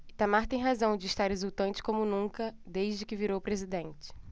itamar tem razão de estar exultante como nunca desde que virou presidente